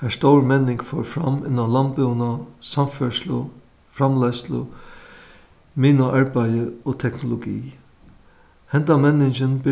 har stór menning fór fram innan landbúnað samferðslu framleiðslu minuarbeiði og teknologi hendan menningin